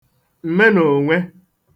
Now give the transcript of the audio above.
m̀menònwe